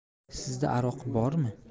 sizda aroq bormi